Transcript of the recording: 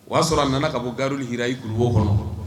O y'a sɔrɔ a nana ka bɔ gaarul hiraa i kulu wo kɔnɔ.